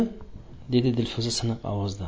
dedi dilfuza siniq ovozda